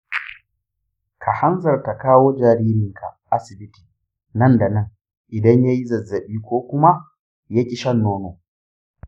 ka hanzarta kawo jaririnka asibiti nan da nan idan ya yi zazzabi ko kuma ya ƙi shan nono